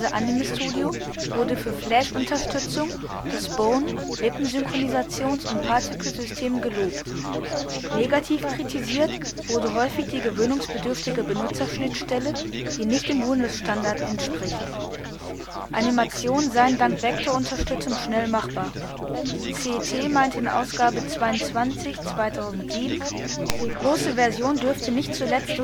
Moho/Anime Studio wurde für Flashunterstützung, das Bone -, Lippensynchronisations - und Partikelsystem gelobt. Negativ kritisiert wurde häufig die gewöhnungsbedürftige Benutzerschnittstelle, die nicht dem Windows-Standard entspricht. Animationen seien dank Vektorunterstützung schnell machbar. c’ t meinte in Ausgabe 22/2007: „ Die große Version dürfte nicht zuletzt